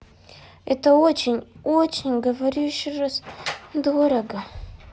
это очень очень говорю еще раз дорого